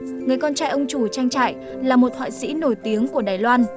người con trai ông chủ trang trại là một họa sĩ nổi tiếng của đài loan